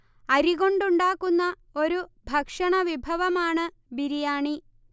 അരി കൊണ്ടുണ്ടാക്കുന്ന ഒരു ഭക്ഷണ വിഭവമാണ് ബിരിയാണി